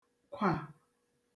kwà